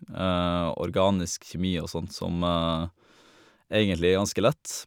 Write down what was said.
Organisk kjemi og sånn, som egentlig er ganske lett.